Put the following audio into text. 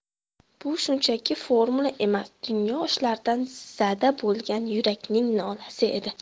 bu shunchaki formula emas dunyo ishlaridan zada bo'lgan yurakning nolasi edi